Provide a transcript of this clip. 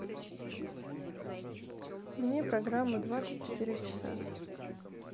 мне программу двадцать четыре часа